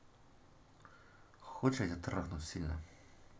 хочешь я тебе трахну сильно